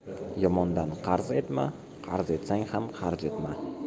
yomondan qarz etma qarz etsang ham xarj etma